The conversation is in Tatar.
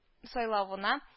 Сайлавына